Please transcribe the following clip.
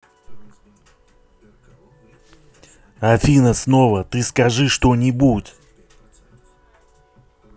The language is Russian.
афина снова ты скажи что нибудь